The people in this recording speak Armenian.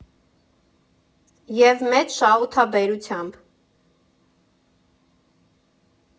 ԵՒ մեծ շահութաբերությամբ։